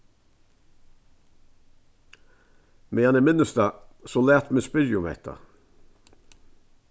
meðan eg minnist tað so lat meg spyrja um hetta